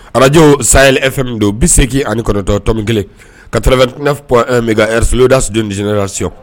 Arajo saya e min don bi seegin ani kɔnɔntɔn to min kelen ka tp ɛrɛslida sdens la s